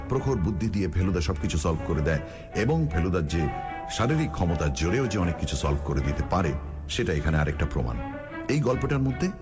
প্রখর বুদ্ধি দিয়ে ফেলুদা সবকিছু সল্ভ করে দেয় এবং ফেলুদার যে শারিরীক ক্ষমতার জোরেও যে অনেক কিছু সল্ভ করে দিতে পারে সেটা এখানে আরেকটা প্রমাণ এই গল্পটার মধ্যে